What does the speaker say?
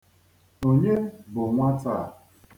Onye bụ nwata a?